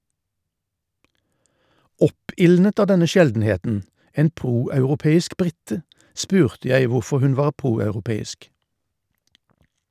Oppildnet av denne sjeldenheten - en proeuropeisk brite - spurte jeg hvorfor hun var proeuropeisk.